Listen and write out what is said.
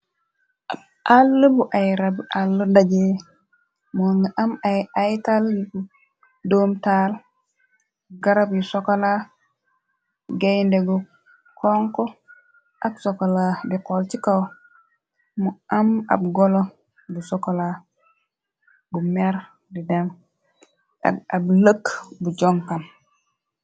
Ab àlle bu ay rabu àlle dajee moo nga am ay ay taal doom taal garab yu sokola geyndegu xonxo ak sokola de xool ci kaw mu am ab golo bu sokola bu mer di dem ak ab lëkk bu jonkon.